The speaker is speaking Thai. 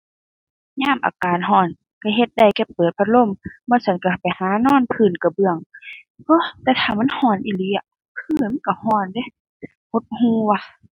ยามอากาศร้อนร้อนเฮ็ดได้แค่เปิดพัดลม บ่ซั้นร้อนไปหานอนพื้นกระเบื้อง โอ้ะ แต่ถ้ามันร้อนอีหลีอะ พื้นมันร้อนร้อนเดะ หดหู่ว่ะ